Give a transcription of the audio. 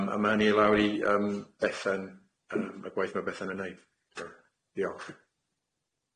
Yym a ma' hynny i lawr i yym Bethan yym y gwaith ma' Bethan yn neud. Diolch.